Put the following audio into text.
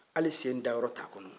hali sen dayɔrɔ t'a kɔnɔ